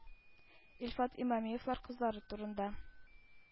Илфат Имамиевлар кызлары турында.